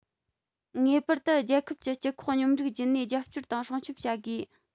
ངེས པར དུ རྒྱལ ཁབ ཀྱི སྤྱི ཁོག སྙོམས སྒྲིག བརྒྱུད ནས རྒྱབ སྐྱོར དང སྲུང སྐྱོང བྱ དགོས